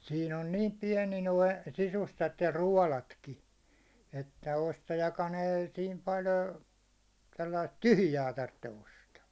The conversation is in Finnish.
siinä on niin pieni nuo sisustat ja ruodotkin että ostajakaan ei siinä paljon - sellaista tyhjää tarvitse ostaa